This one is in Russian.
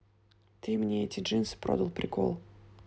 ты мне эти джинсы продал прикол